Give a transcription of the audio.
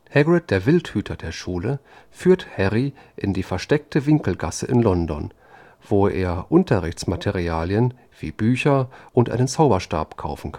Hagrid, der Wildhüter der Schule, führt Harry in die versteckte Winkelgasse in London, wo er Unterrichtsmaterialien wie Bücher und einen Zauberstab kaufen